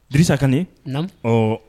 Dirisa Kanɛ, naamu, ɔɔ